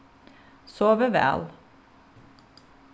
sovið væl